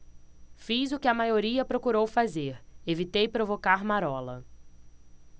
fiz o que a maioria procurou fazer evitei provocar marola